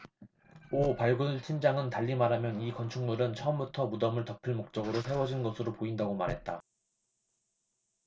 오 발굴팀장은 달리 말하면 이 건축물은 처음부터 무덤을 덮을 목적으로 세워진 것으로 보인다고 말했다